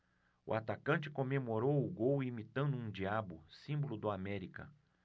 o atacante comemorou o gol imitando um diabo símbolo do américa